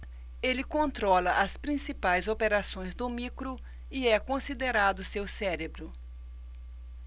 ele controla as principais operações do micro e é considerado seu cérebro